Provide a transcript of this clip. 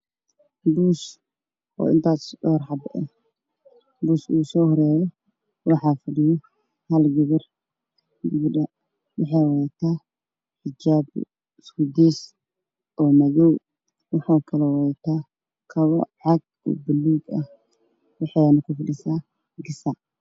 Meeshan waa buusas buushka uga soo horreeya waxaa hor fadhisa gabar waxay wadataa xijaabbe madow waxaana ku fadhisaa gazac